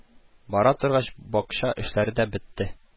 Бара торгач бакча эшләре дә бетте